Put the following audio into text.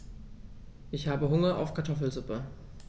Ich habe Hunger auf Kartoffelsuppe.